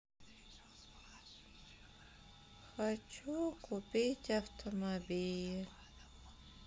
хочу купить автомобиль